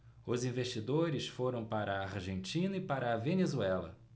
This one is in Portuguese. os investidores foram para a argentina e para a venezuela